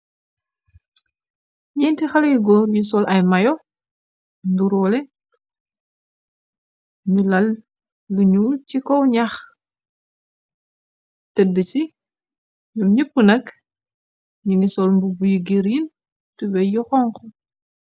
Neenti xale góor yu sol ay mayo nduroole, nu lal lu ñuul ci kaw gñaax, tëdd si , ñuom nepp nakk ni ngi sol mbubuy green tubéy yu xonxo.